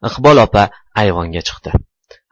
iqbol opa ayvonga chiqdi